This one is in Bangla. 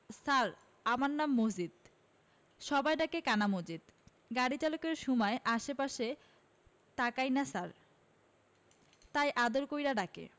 ছার আমার নাম মজিদ সবাই ডাকে কানা মজিদ গাড়ি চালকের সুময় আশে পাশে তাকাইনা ছার তাই আদর কইরা ডাকে...